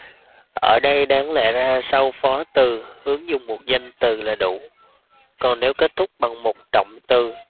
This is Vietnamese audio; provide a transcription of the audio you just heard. ở đây đáng lẽ ra sau phó từ hướng dùng một danh từ là đủ còn nếu kết thúc bằng một động từ